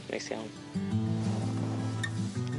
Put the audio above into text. Neis iawn.